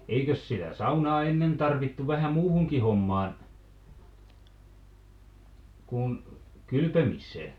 eikös sitä saunaa ennen tarvittu vähän muuhunkin hommaan kuin kylpemiseen